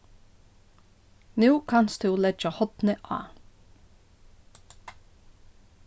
nú kanst tú leggja hornið á